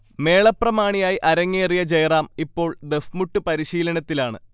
മേള പ്രമാണിയായി അരങ്ങേറിയ ജയറാം ഇപ്പോൾ ദഫ്മുട്ട് പരിശീലനത്തിലാണ്